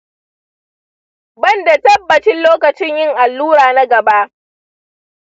ban da tabbacin lokacin yin allura ta gaba .